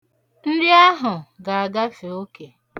Nri ahụ ga-agafe oke.